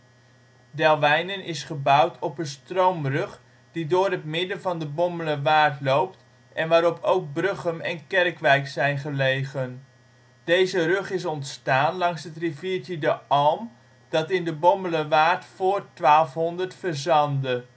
Delwijnen is gebouwd op een stroomrug die door het midden van de Bommelerwaard loopt en waarop ook Bruchem en Kerkwijk zijn gelegen. Deze rug is ontstaan langs het riviertje de Alm, dat in de Bommelerwaard voor 1200 verzandde